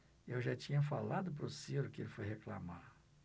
eu já tinha falado pro ciro que ele foi reclamar